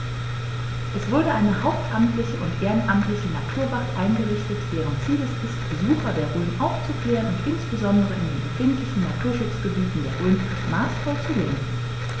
Es wurde eine hauptamtliche und ehrenamtliche Naturwacht eingerichtet, deren Ziel es ist, Besucher der Rhön aufzuklären und insbesondere in den empfindlichen Naturschutzgebieten der Rhön maßvoll zu lenken.